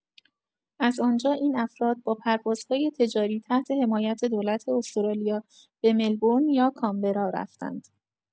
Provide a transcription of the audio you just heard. از آنجا، این افراد با پروازهای تجاری تحت حمایت دولت استرالیا به ملبورن یا کانبرا رفتند.